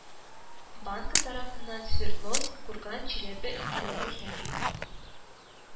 Банкы тарафыннан свердловск, курган, чиләбе өлкәләре һәм